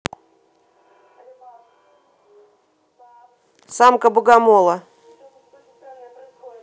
самка богомола